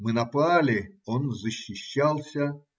Мы напали, он защищался.